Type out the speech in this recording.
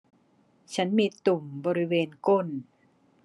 ฉันมีตุ่มบริเวณก้น